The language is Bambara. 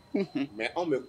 Unhun mais anw bɛ